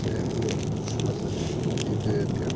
kayfni buzishmasa edi derdi